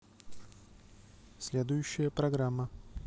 следующая программа